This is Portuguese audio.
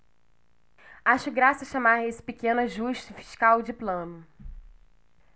acho graça chamar esse pequeno ajuste fiscal de plano